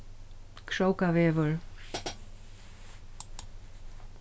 krókavegur